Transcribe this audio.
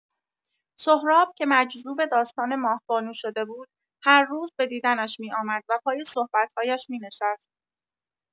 سهراب که مجذوب داستان ماه‌بانو شده بود، هر روز به دیدنش می‌آمد و پای صحبت‌هایش می‌نشست.